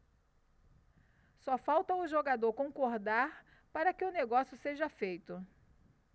só falta o jogador concordar para que o negócio seja feito